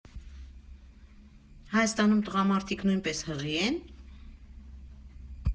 Հայաստանում տղամարդիկ նույնպես հղի՞ են։